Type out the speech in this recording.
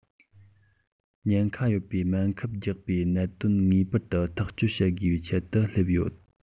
ཉེན ཁ ཡོད པའི སྨན ཁབ རྒྱག པའི གནད དོན ངེས པར དུ ཐག གཅོད བྱེད དགོས པའི ཚད དུ སླེབས ཡོད